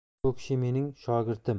bu kishi mening shogirdim